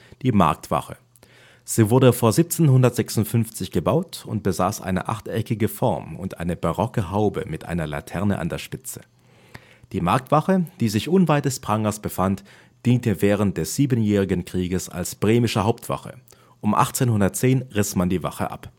Die Marktwache. Sie wurde vor 1756 gebaut und besaß eine achteckige Form und eine barocke Haube mit einer Laterne an der Spitze. Die Marktwache, die sich unweit des Prangers befand, diente während des Siebenjährigen Krieges als bremische Hauptwache. Um 1810 riss man die Wache ab